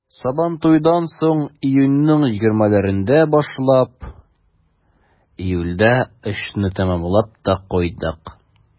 Сабантуйдан соң, июньнең 20-ләрендә башлап, июльдә эшне тәмамлап та куйдык.